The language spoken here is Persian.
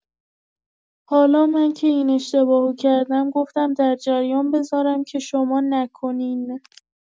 حالا من که این اشتباه رو کردم گفتم در جریان بزارم که شما نکنین!